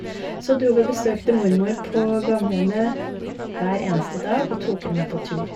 Så dro vi og besøkte mormor på gamlehjemmet hver eneste dag og tok henne med på tur.